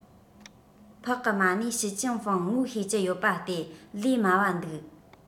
ཕག གི མ གནས ཞེ ཅིན ཧྥེང ངོ ཤེས ཀྱི ཡོད པ སྟེ ལས དམའ བ འདུག